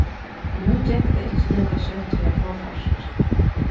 og nú gekk tað ikki líka skjótt við at fáa fart